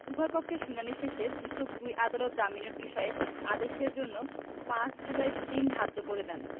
উভয়পক্ষের শুনানি শেষে পৃথক দুই আদালত জামিনের বিষয়ে আদেশের জন্য ৫ জুলাই দিন ধার্য করে দেন